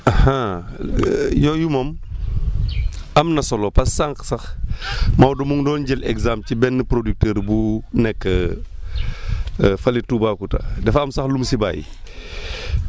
yooyu moom am na solo parce que sànq sax Maodo mu ngi doon jël exemple ci benn producteur bu nekk fële Toubacouta dafa am sax lu mu si bàyyi